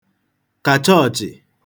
kà chọọ̀chị̀